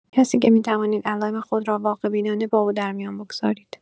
کسی که می‌توانید علائم خود را واقع‌بینانه با او در میان بگذارید